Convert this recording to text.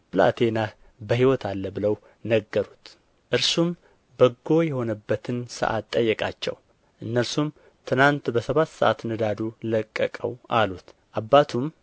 ብላቴናህ በሕይወት አለ ብለው ነገሩት እርሱም በጎ የሆነበትን ሰዓት ጠየቃቸው እነርሱም ትናንት በሰባት ሰዓት ንዳዱ ለቀቀው አሉት አባቱም